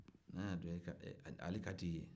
n'a y a dɔn e ka d'a ale ka d'i ye